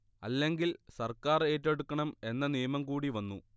അല്ലെങ്കിൽ സർക്കാർ ഏറ്റെടുക്കണം എന്ന നിയമം കൂടി വന്നു